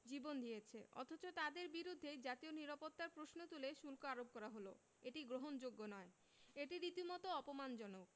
জীবন দিয়েছে অথচ তাঁদের বিরুদ্ধেই জাতীয় নিরাপত্তার প্রশ্ন তুলে শুল্ক আরোপ করা হলো এটি গ্রহণযোগ্য নয় এটি রীতিমতো অপমানজনক